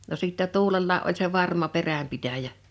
no sitten tuulellakin oli se varma peränpitäjä